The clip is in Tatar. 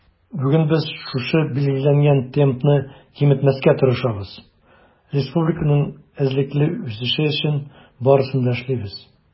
Бүген без шушы билгеләнгән темпны киметмәскә тырышабыз, республиканың эзлекле үсеше өчен барысын да эшлибез.